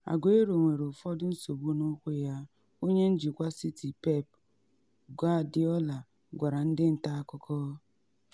“Aguero nwere ụfọdụ nsogbu n’ụkwụ ya,” Onye njikwa City Pep Guardiola gwara ndị nta akụkọ.